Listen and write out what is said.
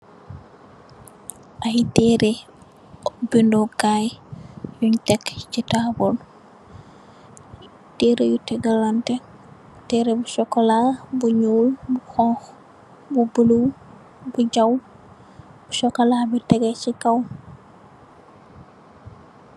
I tereh bindo kai nyung tek sey tabul , tereh nyu tegalanteh tereh bu sokola bu nyuul bu hunhu bu blue bu jaw sokola bi tegeh sey kaw.